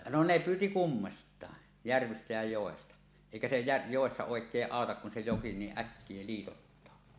no ne pyysi kummastakin järvistä ja joista eikä se - joessa oikein auta kun se joki niin äkkiä liitottaa